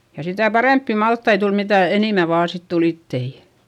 ja sitä parempia maltaita tuli mitä enemmän vain sitten tuli iteitä